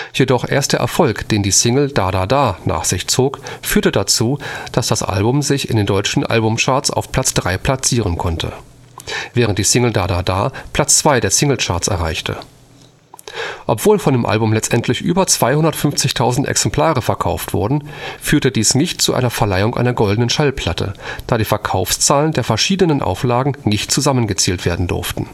Jedoch erst der Erfolg, den die Single Da Da Da nach sich zog, führte dazu, dass das Album Trio sich in den deutschen Albumcharts auf Platz drei platzieren konnte, während die Single Da Da Da Platz zwei der Single-Charts erreichte. Obwohl von dem Album letztendlich über 250.000 Exemplare verkauft wurden, führte dies nicht zu einer Verleihung einer Goldenen Schallplatte, da die Verkaufszahlen der verschiedenen Auflagen nicht zusammengezählt werden durften